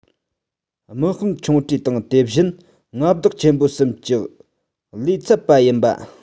དམག དཔོན ཆུང གྲས དང དེ བཞིན མངའ བདག ཆེན པོ གསུམ གྱི ལས ཚབ པ ཡིན པ